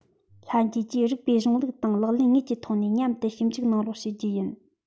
ལྷན རྒྱས ཀྱིས རིགས པའི གཞུང ལུགས དང ལག ལེན དངོས ཀྱི ཐོག ནས མཉམ དུ ཞིབ འཇུག གནང རོགས ཞུ རྒྱུ ཡིན